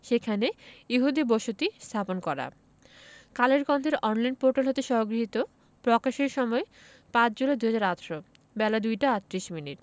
সেখানে ইহুদি বসতি স্থাপন করা কালের কন্ঠের অনলাইন পোর্টাল হতে সংগৃহীত প্রকাশের সময় ৫ জুলাই ২০১৮ বেলা ২টা ৩৮ মিনিট